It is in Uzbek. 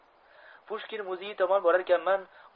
pushkin muzeyi tomon borarkanman